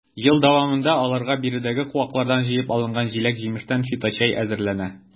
Ел дәвамында аларга биредәге куаклардан җыеп алынган җиләк-җимештән фиточәй әзерләнә.